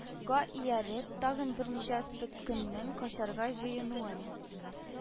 Га ияреп тагын берничә тоткынның качарга җыенуын